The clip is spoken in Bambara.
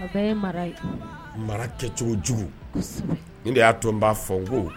Eee; A bɛɛ ye mara ye, jon bi laban jɔrɔwa? Mara kɛ cogo jugu, kosɛbɛ, ni de y'a to n b'a fɔ n ko